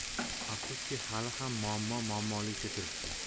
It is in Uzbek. afsuski hali ham muammo muammoligicha turibdi